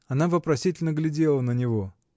Она вопросительно глядела на него.